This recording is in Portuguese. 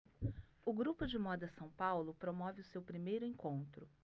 o grupo de moda são paulo promove o seu primeiro encontro